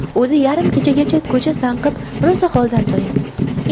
o'zi yarim kechagacha ko'cha sanqib rosa holdan toyamiz